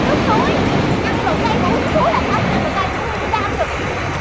nước suối ăn đồ cay mà uống nước suối là sao ăn đồ cay phải uống mi rin đa mới được